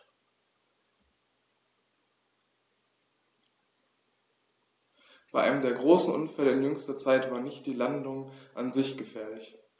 Bei einem der großen Unfälle in jüngster Zeit war nicht die Ladung an sich gefährlich.